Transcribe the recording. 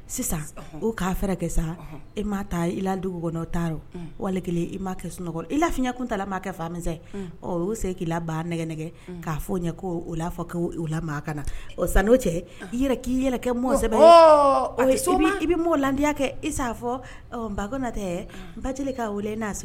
M' kɔnɔ i m' kɛ sunɔgɔ i fiɲɛyakun'la' kɛ fasɛn se k'i la nɛgɛ nɛgɛgɛ k'a fɔ ɲɛ ko o'a fɔ maa kana na o san n'o cɛ k'i kɛ sɛ o so i bɛ maawo ladiya kɛ i fɔ ba na tɛ ba k' weele n'a